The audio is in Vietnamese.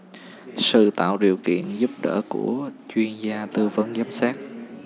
sự tạo điều kiện giúp đỡ của chuyên gia tư vấn giám sát